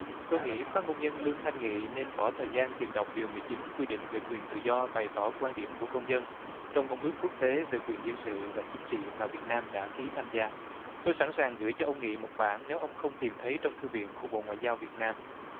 tôi nghĩ phát ngôn nhân lương thanh nghị nên bỏ thời gian tìm đọc điều mười chín quy định về quyền tự do bày tỏ quan điểm của công dân trong công ước quốc tế về quyền dân sự và chính trị mà việt nam đã ký tham gia tôi sẵn sàng gửi cho ông nghị một bản nếu ông không tìm thấy trong thư viện của bộ ngoại giao việt nam